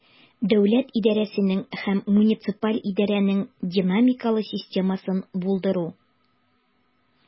Дәүләт идарәсенең һәм муниципаль идарәнең динамикалы системасын булдыру.